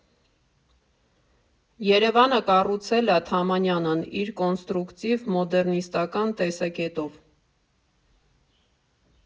Երևանը կառուցել ա Թամանյանն իր կոնստրուկտիվ մոդեռնիստական տեսակետով։